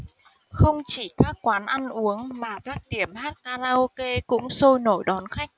không chỉ các quán ăn uống mà các điểm hát karaoke cũng sôi nổi đón khách